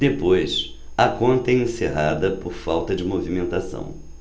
depois a conta é encerrada por falta de movimentação